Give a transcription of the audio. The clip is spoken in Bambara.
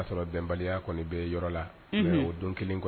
Ka sɔrɔ bɛnbali kɔni bɛ yɔrɔ la, unhun, mais o don kelen kɔni